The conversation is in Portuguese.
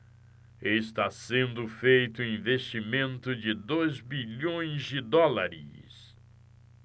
está sendo feito um investimento de dois bilhões de dólares